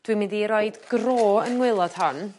Dwi'n mynd i roid gro yn ngwaelod hon.